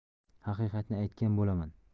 haqiqatni aytgan bo'laman